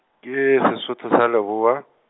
ke, Sesotho sa Leboa.